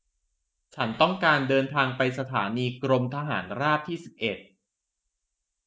ฉันต้องการเดินทางไปสถานีกรมทหารราบที่สิบเอ็ด